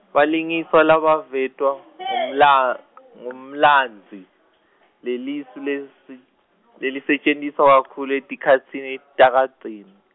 balingiswa labavetwa, ngumla- ngumlandzi, lelisu lesi- lalisetjentiswa kakhulu etikhatsini takadzeni.